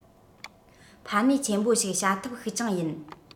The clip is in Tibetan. ཕན ནུས ཆེན པོ ཞིག བྱ ཐབས ཤིག ཀྱང ཡིན